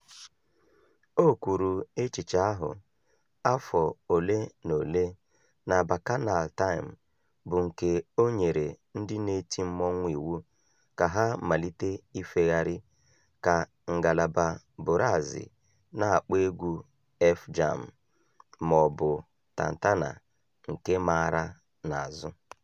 O kwuru echiche ahụ afọ ole na ole na "Bacchanal Time", bụ nke o nyere ndị na-eti mmọnwụ iwu ka ha "malite ifegharị" ka ngalaba bụrazị na-akpọ egwu "F-jam" ma ọ bụ "tantana" nke a maara n'azụ.